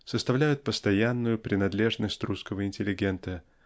составляют постоянную принадлежность русского интеллигента